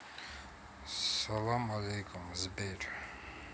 салам алейкум сбер